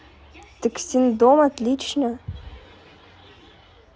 так sing дом отлично